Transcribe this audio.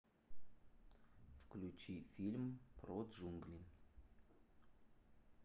включи фильм про джунгли